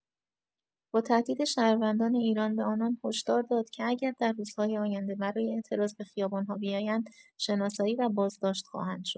با تهدید شهروندان ایران به آنان هشدار داد که اگر در روزهای آینده برای اعتراض به خیابان‌ها بیایند، شناسایی و بازداشت خواهند شد.